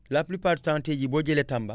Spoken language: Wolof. la plus part du temps tey jii boo jëlee Tamba